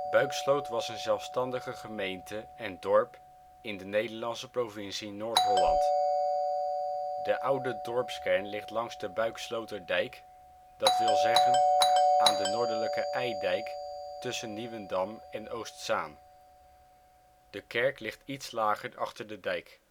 Buiksloot was een zelfstandige gemeente en dorp in de Nederlandse provincie Noord-Holland. De oude dorpskern ligt langs de Buiksloterdijk, dat wil zeggen: aan de Noordelijke IJdijk tussen Nieuwendam en Oostzaan. De kerk ligt iets lager achter de dijk